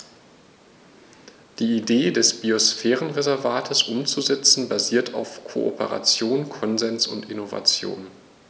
Die Idee des Biosphärenreservates umzusetzen, basiert auf Kooperation, Konsens und Innovation.